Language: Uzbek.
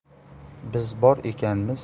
biz bor ekanmiz siz